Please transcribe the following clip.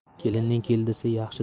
kelinning keldisi yaxshi